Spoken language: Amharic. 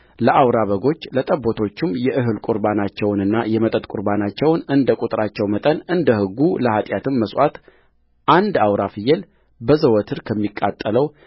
ለአውራ በጎቹ ለጠቦቶቹም የእህል ቍርባናቸውንና የመጠጥ ቍርባናቸውን እንደ ቍጥራቸው መጠን እንደ ሕጉለኃጢአትም መሥዋዕት አንድ አውራ ፍየል በዘወትር ከሚቃጠለው